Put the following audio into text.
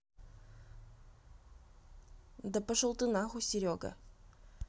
да пошел ты нахуй серега